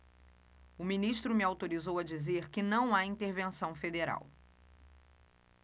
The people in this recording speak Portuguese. o ministro me autorizou a dizer que não há intervenção federal